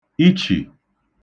ichì